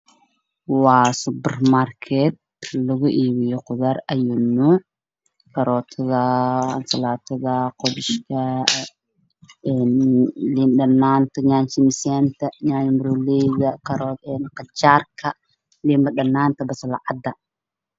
Waa meel lagu iibilaayo cabitaannada sida canbaha kaarootada oo midabkoodii hajaallo boor ayaa ku dhagan